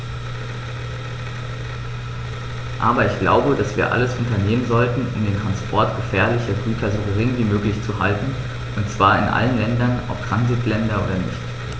Aber ich glaube, dass wir alles unternehmen sollten, um den Transport gefährlicher Güter so gering wie möglich zu halten, und zwar in allen Ländern, ob Transitländer oder nicht.